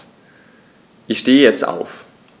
Ich stehe jetzt auf.